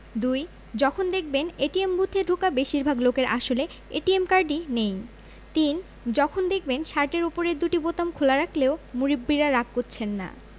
২. যখন দেখবেন এটিএম বুথে ঢোকা বেশির ভাগ লোকের আসলে এটিএম কার্ডই নেই ৩. যখন দেখবেন শার্টের ওপরের দুটি বোতাম খোলা রাখলেও মুরব্বিরা রাগ করছেন না